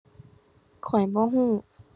ข้อยบ่รู้